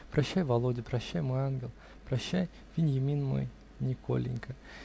Прощай, Володя, прощай, мой ангел, прощай, Веньямин мой -- Николенька.